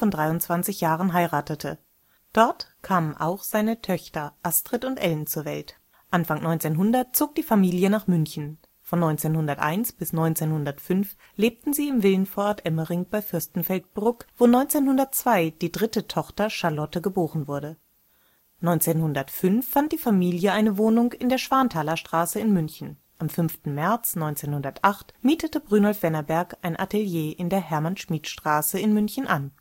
23 Jahren heiratete. Dort kamen auch seine Töchter Astrid (* 1891) und Ellen (* 1893) zur Welt. Anfang 1900 zog die Familie nach München. Von 1901 bis 1905 lebte sie im Villenvorort Emmering bei Fürstenfeldbruck, wo 1902 die dritte Tochter Charlotte geboren wurde. 1905 fand die Familie eine Wohnung in der Schwanthalerstraße in München. Am 5. März 1908 mietete Brynolf Wennerberg ein Atelier in der Hermann-Schmid-Straße in München an